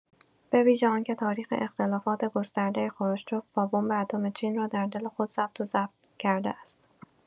بویژه آنکه تاریخ اختلافات گسترده خروشچف با بمب اتم چین را در دل خود ثبت و ضبط کرده است!